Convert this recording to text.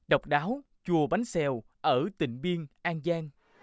độc đáo chùa bánh xèo ở tịnh biên an giang